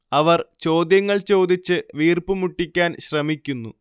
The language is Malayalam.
അവർ ചോദ്യങ്ങൾ ചോദിച്ച് വീർപ്പ് മുട്ടിക്കാൻ ശ്രമിക്കുന്നു